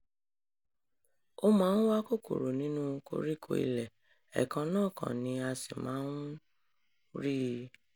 Ó máa ń wá kòkòrò nínú koríko ilẹ̀, ẹ̀kànànkan ni a sì máa ń rí i.